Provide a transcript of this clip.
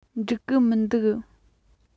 འགྲིག གི མི འདུག